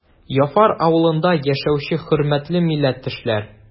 Яфар авылында яшәүче хөрмәтле милләттәшләр!